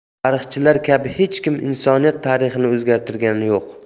tarixchilar kabi hech kim insoniyat tarixini o'zgartirgani yo'q